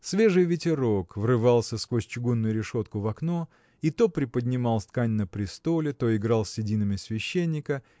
Свежий ветерок врывался сквозь чугунную решетку в окно и то приподнимал ткань на престоле то играл сединами священника